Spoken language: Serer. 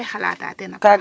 wa xay xala teen